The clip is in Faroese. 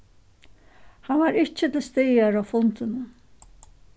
hann var ikki til staðar á fundinum